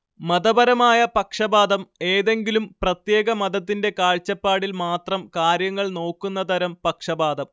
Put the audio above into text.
മതപരമായ പക്ഷപാതം ഏതെങ്കിലും പ്രത്യേക മതത്തിന്റെ കാഴ്ചപ്പാടില്‍ മാത്രം കാര്യങ്ങള്‍ നോക്കുന്ന തരം പക്ഷപാതം